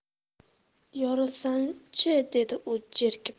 yorilsanghi dedi u jerkib